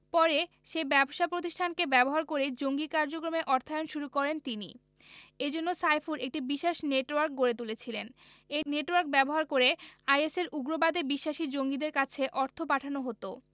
পরে সেই ব্যবসা প্রতিষ্ঠানকে ব্যবহার করেই জঙ্গি কার্যক্রমে অর্থায়ন শুরু করেন তিনি এ জন্য সাইফুল একটি বিশাস নেটওয়ার্ক গড়ে তুলেছিলেন এই নেটওয়ার্ক ব্যবহার করে আইএসের উগ্রবাদে বিশ্বাসী জঙ্গিদের কাছে অর্থ পাঠানো হতো